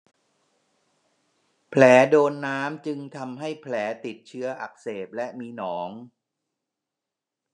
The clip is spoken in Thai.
แผลโดนน้ำจึงทำให้แผลติดเชื้ออักเสบและมีหนอง